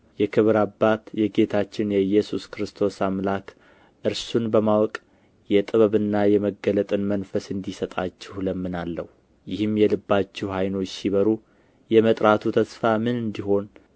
የክብር አባት የጌታችን የኢየሱስ ክርስቶስ አምላክ እርሱን በማወቅ የጥበብንና የመገለጥን መንፈስ እንዲሰጣችሁ እለምናለሁ ይህም የልባችሁ ዓይኖች ሲበሩ የመጥራቱ ተስፋ ምን እንዲሆን